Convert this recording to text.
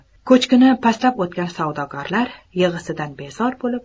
ko'chkini pastlab o'tgan savdogarlar yig'isidan bezor bo'lib